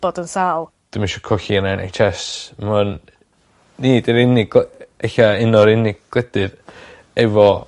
bod yn sâl. Dwi'm isie colli yr Enn Eich Ess. Ma'n ni 'di'r unig gwle- ella un o'r unig gwledydd efo